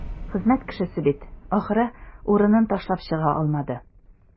Хезмәт кешесе бит, ахры, урынын ташлап чыга алмады.